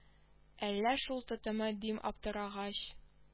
Әллә шул тоттымы дим аптырагач